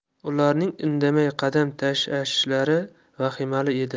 ularning indamay qadam tashiashlari vahimali edi